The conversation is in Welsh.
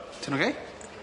Ti'n ogê?